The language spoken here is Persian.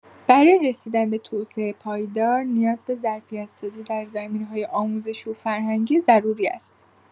برای رسیدن به توسعه پایدار، نیاز به ظرفیت‌سازی در زمینه‌های آموزشی و فرهنگی ضروری است.